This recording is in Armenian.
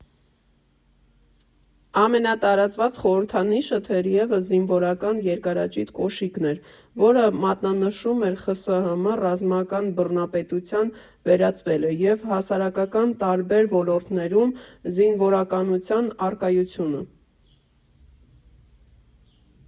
Ամենատարածված խորհրդանիշը թերևս զինվորական երկարաճիտ կոշիկն էր, որ մատնանշում էր ԽՍՀՄ ռազմական բռնապետության վերածվելը և հասարակական տարբեր ոլորտներում զինվորականության առկայությունը։